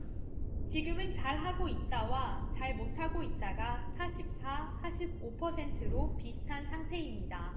지금은 잘하고 있다와 잘못하고 있다가 사십 사 사십 오 퍼센트로 비슷한 상태입니다